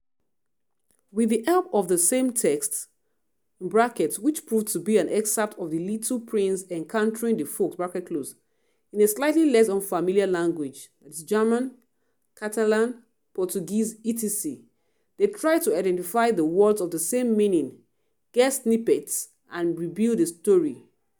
With the help of the same text (which proved to be an excerpt of the Little Prince encountering the fox) in a slightly less unfamiliar language (German, Catalan, Portuguese, etc) they tried to identify the words of the same meaning, guess snippets, and rebuild the story.